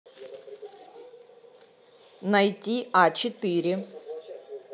найти а четыре